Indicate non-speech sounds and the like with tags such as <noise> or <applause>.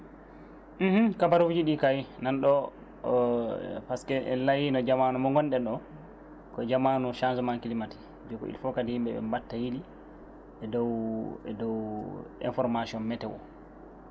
<hesitation> <hesitation> kabaruji ɗi nanɗo par ce que en layino jamanu mo gonɗen o ko jamanu changement climatique donc il faut kadi yimɓe ɓe mbatta yii